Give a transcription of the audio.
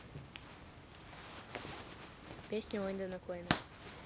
песня ой да на кой нам